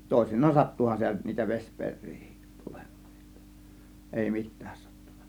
toisinaan sattuihan sitä nyt niitä vesiperiäkin tulemaan jotta ei mitään sattunut